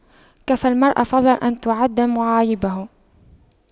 كفى المرء فضلا أن تُعَدَّ معايبه